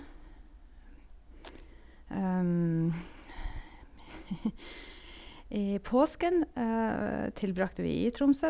i Påsken tilbrakte vi i Tromsø.